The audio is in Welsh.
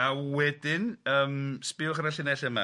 A wedyn yym sbïwch ar y llinell yma.